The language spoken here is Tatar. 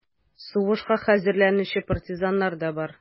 Сугышка хәзерләнүче партизаннар да бар: